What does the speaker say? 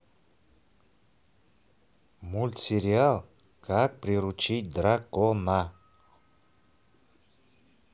мультсериал как приручить дракона